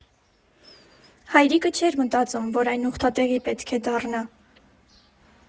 Հայրիկը չէր մտածում, որ այն ուխտատեղի պետք է դառնա.